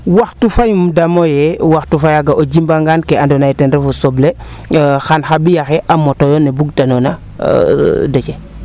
waxtu fayum damo ye waxtu faaga im jima ngaan kee ando naye ten refu soble xan xa mbiya xe a moto yo nee bugta noona Déthié